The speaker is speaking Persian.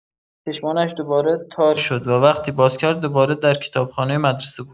چشمانش دوباره تار شد، و وقتی باز کرد، دوباره در کتابخانه مدرسه بود.